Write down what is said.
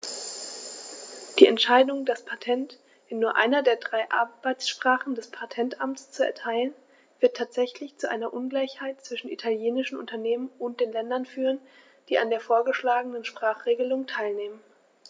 Die Entscheidung, das Patent in nur einer der drei Arbeitssprachen des Patentamts zu erteilen, wird tatsächlich zu einer Ungleichheit zwischen italienischen Unternehmen und den Ländern führen, die an der vorgeschlagenen Sprachregelung teilnehmen.